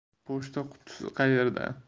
pochta qutisi qayerda